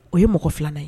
O ye mɔgɔ filanan ye